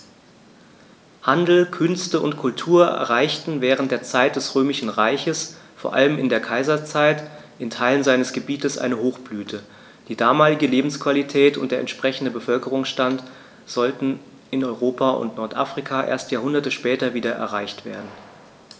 Handel, Künste und Kultur erreichten während der Zeit des Römischen Reiches, vor allem in der Kaiserzeit, in Teilen seines Gebietes eine Hochblüte, die damalige Lebensqualität und der entsprechende Bevölkerungsstand sollten in Europa und Nordafrika erst Jahrhunderte später wieder erreicht werden.